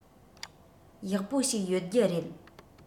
ཡག པོ ཞིག ཡོད རྒྱུ རེད